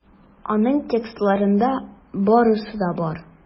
Аның текстларында барысы да бар.